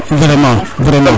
vraiment vraiment